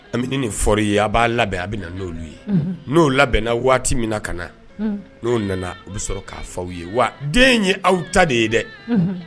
Kabini bɛ ne nin fɔri ye a b'a labɛn a bɛ na n'oolu ye n'o labɛnna waati min ka na n'o nana u bɛ sɔrɔ k'a fɔ aw ye wa den ye aw ta de ye dɛ